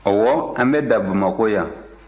ɔwɔ an bɛ dan bamakɔ yan